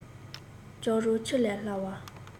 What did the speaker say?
སྐྱག རོ ཆུ ལས སླ བ